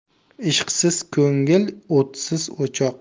ishqsiz ko'ngil o'tsiz o'choq